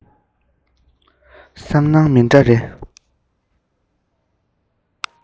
བསམ སྣང མི འདྲ རེ